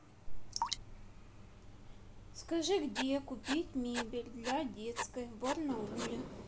скажи где купить мебель для детской в барнауле